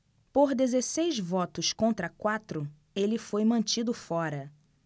por dezesseis votos contra quatro ele foi mantido fora